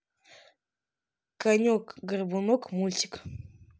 конек горбунок мультик